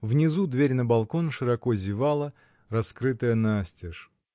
внизу дверь на балкон широко зевала, раскрытая настежь.